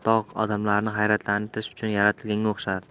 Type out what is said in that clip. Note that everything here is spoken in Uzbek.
tog' odamlarni hayratlantirish uchun yaratilganga o'xshardi